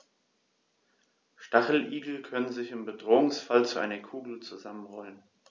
Stacheligel können sich im Bedrohungsfall zu einer Kugel zusammenrollen.